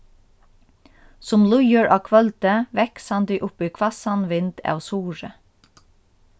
sum líður á kvøldið vaksandi upp í hvassan vind av suðri